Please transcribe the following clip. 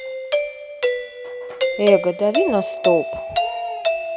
эgo дави на стоп